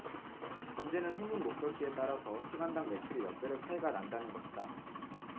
문제는 손님 목적지에 따라서 시간당 매출이 몇 배로 차이가 난다는 것이다